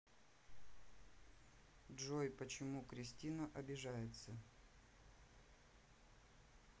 джой почему кристина обижается